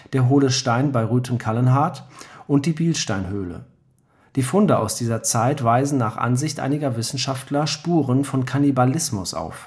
der Hohle Stein bei Rüthen-Kallenhardt und die Bilsteinhöhle. Die Funde aus dieser Zeit weisen nach Ansicht einiger Wissenschaftler Spuren von Kannibalismus auf